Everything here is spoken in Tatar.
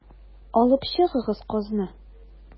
Алып чыгыгыз кызны.